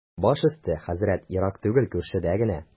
Баш өсте, хәзрәт, ерак түгел, күршедә генә.